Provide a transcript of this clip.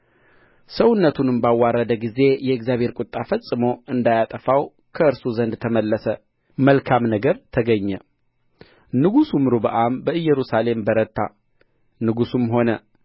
ሰውነቱንም ባዋረደ ጊዜ የእግዚአብሔር ቍጣ ፈጽሞ እንዳያጠፋው ከእርሱ ዘንድ ተመለሰ በይሁዳም ደግሞ መልካም ነገር ተገኘ ንጉሡም ሮብዓም በኢየሩሳሌም በረታ ንጉሥም ሆነ